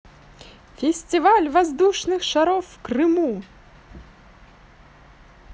фестиваль воздушных шаров в крыму